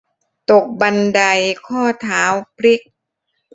ตกบันไดข้อเท้าพลิก